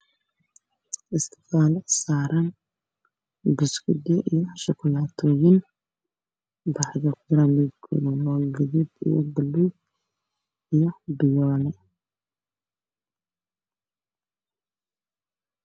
Mid saaran cunto uu ka mid yahay hilib